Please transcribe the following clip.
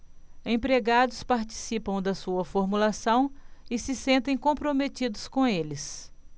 empregados participam da sua formulação e se sentem comprometidos com eles